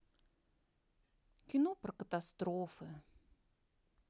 кино про катастрофы